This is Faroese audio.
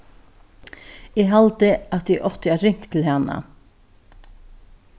eg haldi at eg átti at ringt til hana